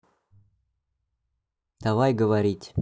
давай говорить